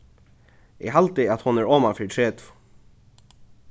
eg haldi at hon er oman fyri tretivu